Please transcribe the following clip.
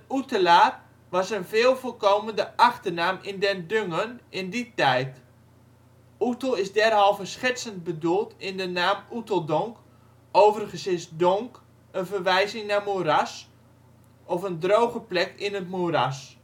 Oetelaar was een veel voorkomende achternaam in Den Dungen in die tijd. Oetel is derhalve schertsend bedoeld in de naam ‘Oeteldonk’. Overigens is ‘donk’ een verwijzing naar moeras (droge plek in het moeras